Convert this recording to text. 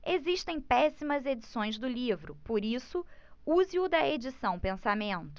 existem péssimas edições do livro por isso use o da edição pensamento